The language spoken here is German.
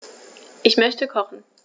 Ich möchte kochen.